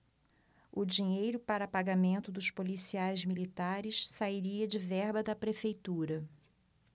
o dinheiro para pagamento dos policiais militares sairia de verba da prefeitura